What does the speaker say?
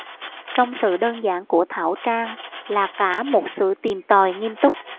trong sự đơn giản của thảo trang là cả một sự tìm tòi nghiêm túc